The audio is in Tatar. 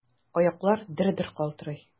Аяклар дер-дер калтырый.